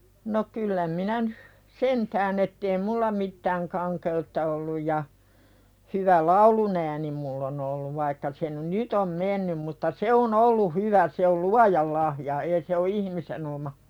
no kyllä minä nyt sentään että ei minulla mitään kankeutta ollut ja hyvä laulunääni minulla on ollut vaikka se - nyt on mennyt mutta se on ollut hyvä se oli luojan lahja ei se ole ihmisen oma